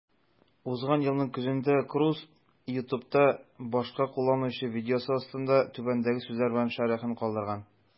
Узган елның көзендә Круз YouTube'та башка кулланучы видеосы астында түбәндәге сүзләр белән шәрехен калдырган: